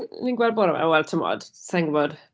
O'n i'n gweld bore 'ma, wel, timod, sa i'n gwbod.